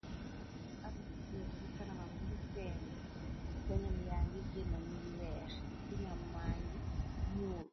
Ak jigeer ngu kanamam ngiri feeno bañam yaa ngi génnañuy weex ci ñam mangi ñuur.